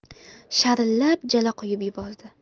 sharillab jala quyib yubordi